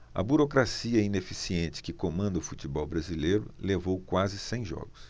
a burocracia ineficiente que comanda o futebol brasileiro levou quase cem jogos